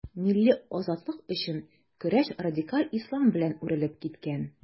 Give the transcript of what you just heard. Милли азатлык өчен көрәш радикаль ислам белән үрелеп киткән.